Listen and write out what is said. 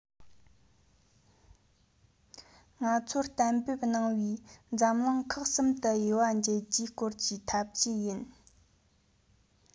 ང ཚོར གཏན འབེབས གནང བའི འཛམ གླིང ཁག གསུམ དུ དབྱེ བ འབྱེད རྒྱུའི སྐོར གྱི འཐབ ཇུས ཡིན